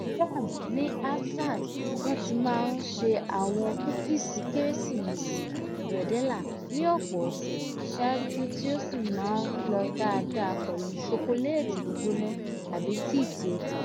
France – Ní Alsace wọ́n ti máa ń ṣe àwọn kúkìsì Kérésìmesì, bredela, ní ọ̀pọ̀ ọ̀sẹ̀ ṣáájú tí ó sì máa ń lọ dáadáa pẹ̀lú ṣokoléètì gbígbóná àbí tíì tí ó ta.